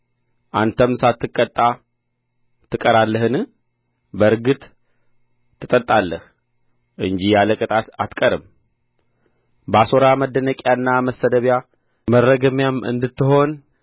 አንተም ሳትቀጣ ትቀራለህን በእርግጥ ትጠጣለህ እንጂ ያለ ቅጣት አትቀርም ባሶራ መደነቂያና መሰደቢያ መረገሚያም እንድትሆን